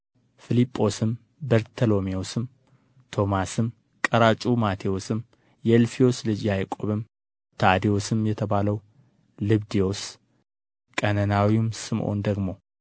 ፊልጶስም በርተሎሜዎስም ቶማስም ቀራጩ ማቴዎስም የእልፍዮስ ልጅ ያዕቆብም ታዴዎስም የተባለው ልብድዮስ ቀነናዊውም ስምዖን ደግሞም